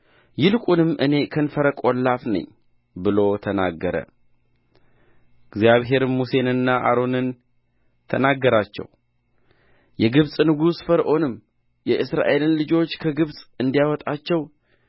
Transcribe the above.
ይልቁንም እኔ ከንፈረ ቈላፍ ነኝ ብሎ ተናገረ እግዚአብሔርም ሙሴንና አሮንን ተናገራቸው የግብፅ ንጉሥ ፈርዖንም የእስራኤልን ልጆች ከግብፅ እንዲያወጣቸው